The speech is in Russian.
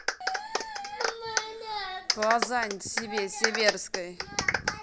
казань себе сибирской